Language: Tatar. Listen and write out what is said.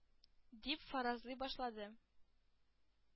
Дип фаразлый башлады.